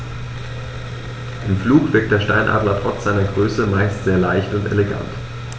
Im Flug wirkt der Steinadler trotz seiner Größe meist sehr leicht und elegant.